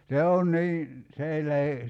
no se on se on niin se ei lähde